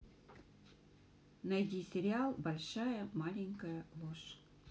найди сериал большая маленькая ложь